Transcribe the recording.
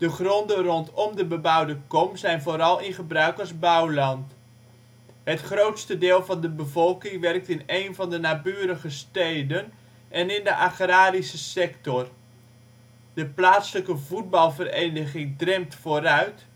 gronden rondom de bebouwde kom zijn vooral in gebruik als bouwland. Het grootste deel van de bevolking werkt in een van de naburige steden en in de agrarische sector. De plaatselijke voetbalvereniging Drempt Vooruit